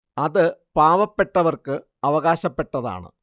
അത് പാവപ്പെട്ടവർക്ക് അവകാശപ്പെട്ടതാണ്